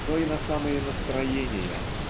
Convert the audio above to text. но и на самые настроения.